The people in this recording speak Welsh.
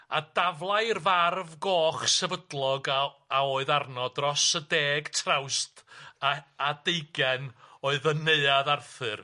A daflai'r farf goch sefydlog a a oedd arno dros y deg trawst a a deugen oedd yn neuadd Arthur.